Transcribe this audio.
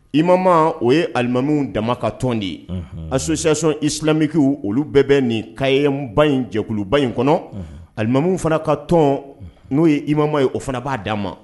I mama o yelimami dama ka tɔn de ye asonsiyason i silamɛmikiw olu bɛɛ bɛ nin kayba in jɛkuluba in kɔnɔlimami fana ka tɔn n'o ye i mama ye o fana b'a d'a ma